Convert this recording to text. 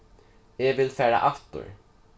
eg vil fara aftur